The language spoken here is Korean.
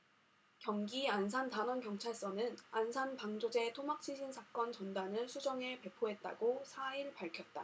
경기 안산단원경찰서는 안산 방조제 토막시신 사건 전단을 수정해 배포했다고 사 일 밝혔다